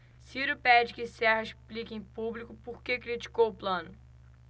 ciro pede que serra explique em público por que criticou plano